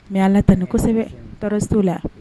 Mɛ ala la tan ni kosɛbɛ tɔɔrɔso la